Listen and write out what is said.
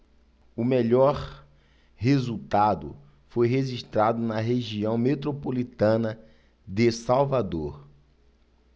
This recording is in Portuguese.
o melhor resultado foi registrado na região metropolitana de salvador